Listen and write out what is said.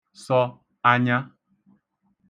sọ anya